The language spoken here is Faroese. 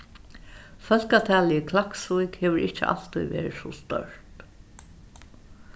fólkatalið í klaksvík hevur ikki altíð verið so stórt